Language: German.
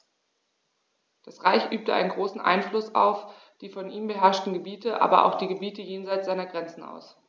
Das Reich übte einen großen Einfluss auf die von ihm beherrschten Gebiete, aber auch auf die Gebiete jenseits seiner Grenzen aus.